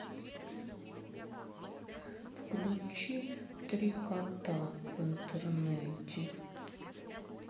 включи три кота в интернете